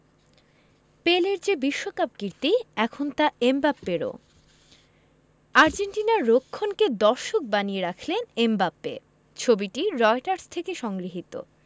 পেলের যে বিশ্বকাপ কীর্তি এখন তা এমবাপ্পেরও আর্জেন্টিনার রক্ষণকে দর্শক বানিয়ে রাখলেন এমবাপ্পে ছবিটি রয়টার্স থেকে সংগৃহীত